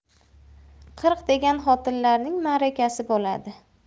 qirq degan xotinlarning marakasi bo'ladi